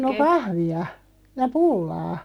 no kahvia ja pullaa